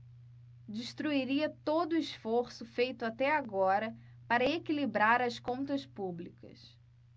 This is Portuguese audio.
destruiria todo esforço feito até agora para equilibrar as contas públicas